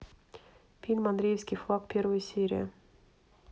фильм андреевский флаг первая серия